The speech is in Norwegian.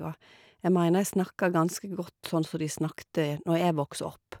Og jeg mener jeg snakker ganske godt sånn som de snakket når jeg vokste opp.